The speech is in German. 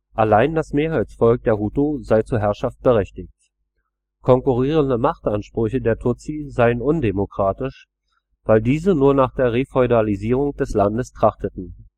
Allein das Mehrheitsvolk der Hutu sei zur Herrschaft berechtigt. Konkurrierende Machtansprüche der Tutsi seien undemokratisch, weil diese nur nach der Refeudalisierung des Landes trachteten